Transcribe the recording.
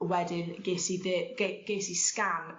wedyn ges i dde- ge- ges i sgan